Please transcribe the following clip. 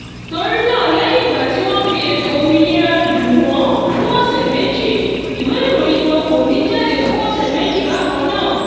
Torí náà, lẹ́yìn ìgbà tí wọ́n ti fi ẹ̀tọ́ òmìnira dùn wọ́n fún ọ̀sẹ̀ méjì, ìwé ìròyìn wọn kò ní jáde fún ọ̀sẹ̀ méjì bákan náà.